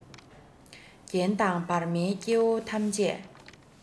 རྒན དང བར མའི སྐྱེ བོ ཐམས ཅད